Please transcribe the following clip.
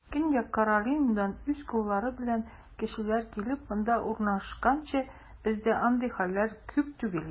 Көньяк Каролинадан үз коллары белән кешеләр килеп, монда урнашканчы, бездә андый хәлләр күп түгел иде.